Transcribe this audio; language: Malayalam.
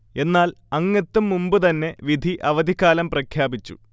എന്നാൽ അങ്ങെത്തും മുമ്പുതന്നെ വിധി അവധിക്കാലം പ്രഖ്യാപിച്ചു